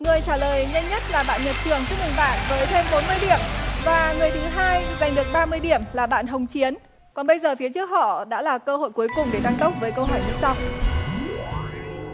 người trả lời nhanh nhất là bạn nhật trường chúc mừng bạn với thêm bốn mươi điểm và người thứ hai giành được ba mươi điểm là bạn hồng chiến còn bây giờ phía trước họ đã là cơ hội cuối cùng để tăng tốc với câu hỏi như sau